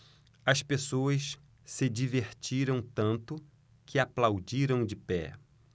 as pessoas se divertiram tanto que aplaudiram de pé